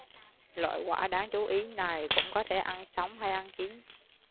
loại quả đáng chú ý này cũng có thể ăn sống hay ăn chín